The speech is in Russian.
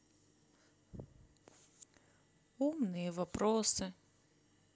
умные вопросы